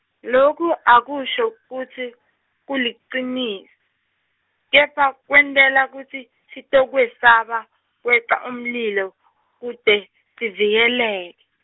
loku akusho kutsi kulicini-, kepha kwentelwa kutsi sitokwesaba kweca umlilo kute sivikeleke.